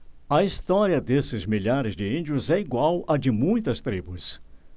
a história desses milhares de índios é igual à de muitas tribos